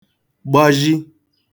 gbazhi